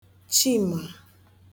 Chimà